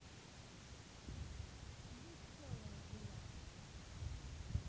веселая девятка